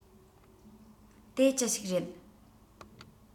དེ ཅི ཞིག རེད